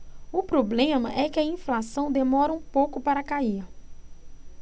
o problema é que a inflação demora um pouco para cair